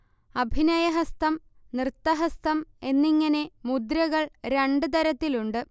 അഭിനയഹസ്തം, നൃത്തഹസ്തം എന്നിങ്ങനെ മുദ്രകൾ രണ്ട് തരത്തിലുണ്ട്